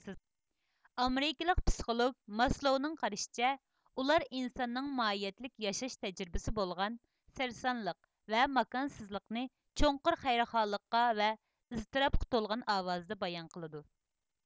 ئامېرىكىلىق پسىخولوگ ماسلوۋنىڭ قارىشىچە ئۇلار ئىنساننىڭ ماھىيەتلىك ياشاش تەجرىبىسى بولغان سەرسانلىق ۋە ماكانسىزلىقنى چوڭقۇر خەيرىخاھلىققا ۋە ئىزتىراپقا تولغان ئاۋازدا بايان قىلىدۇ